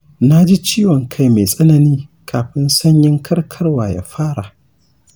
na ji ciwon kai mai tsanani kafin sanyin karkarwa ya fara.